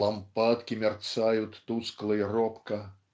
"Лампадки мерцают тускло и робко